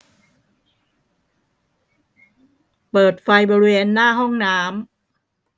เปิดไฟบริเวณหน้าห้องน้ำ